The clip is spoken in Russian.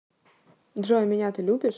джой а меня ты любишь